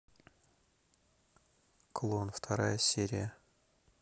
клон вторая серия